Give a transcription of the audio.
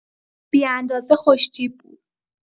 بی‌اندازه خوش‌تیپ بود.